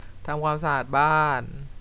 ทำความสะอาดบ้าน